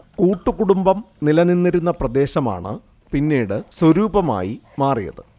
കൂട്ടു കുടുംബം നിലനിന്നിരുന്ന പ്രദേശമാണ് പിന്നെ സ്വരൂപമായി മാറിയത്